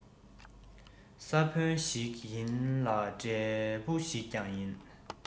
ས བོན ཞིག ཡིན ལ འབྲས བུ ཞིག ཀྱང ཡིན